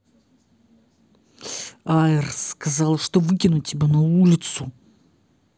air сказала что выкинуть тебя на улицу